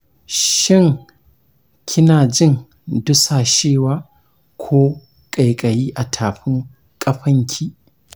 shin kina jin dusashewa ko ƙaiƙayi a tafin kafanki?